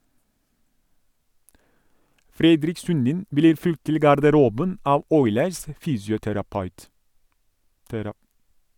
Fredrik Sundin blir fulgt til garderoben av Oilers' fysioterapeut.